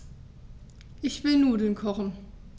Ich will Nudeln kochen.